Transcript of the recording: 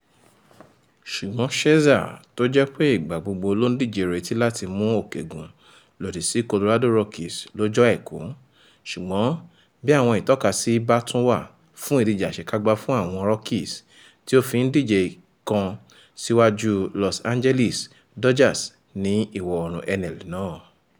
Ṣùgbọn Scherzer tójẹ́pé ìgbà gbogbo ló ndíje ńretí láti mú òkè gùn lòdì sí Colorado Rockies lọ́jọ́ Àìkú, ṣùgbọ́n bí àwọn ìtọ́kasí bá tún wà fún ìdíje àṣekágbá fún Àwọn Rockies, tí ó ńfi ìdíje kan síwáju Los Angeles Dodgers ní Ìwọ̀-oòrùn NL náà.